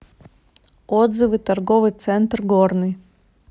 отзывы торговый центр горный